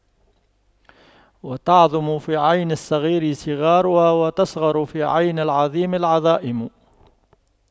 وتعظم في عين الصغير صغارها وتصغر في عين العظيم العظائم